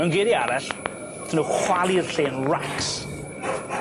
Mewn geirie arall nethon nw chwalu'r lle yn racs.